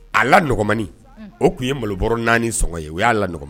A laɔgɔnmani o tun ye malobɔ naaniɔgɔnɔgɔ ye o y'a la nɔgɔɔgɔn